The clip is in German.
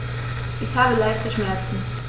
Ich habe leichte Schmerzen.